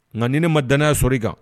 Nka ni ne ma danya sɔrɔ i kan